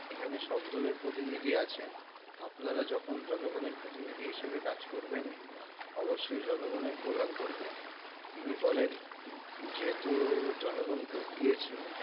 এখানে সব দলের প্রতিনিধি আছেন আপনারা যখন জনগণের প্রতিনিধি হিসেবে কাজ করবেন অবশ্যই জনগণের কল্যাণ করবেন তিনি বলেন যেহেতু জনগণ ভোট দিয়েছে